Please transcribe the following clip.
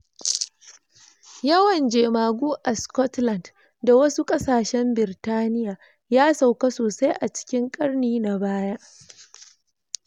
Yawan jemagu a Scotland da wasu ƙasashen Birtaniya ya sauka sosai a cikin ƙarni na baya.